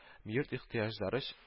Йорт ихтыяҗлары